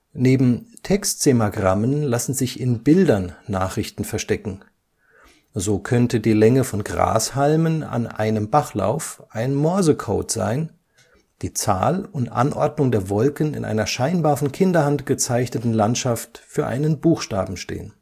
Neben Textsemagrammen lassen sich in Bildern Nachrichten verstecken. So könnte die Länge von Grashalmen an einem Bachlauf ein Morsecode sein, die Zahl und Anordnung der Wolken in einer scheinbar von Kinderhand gezeichneten Landschaft für einen Buchstaben stehen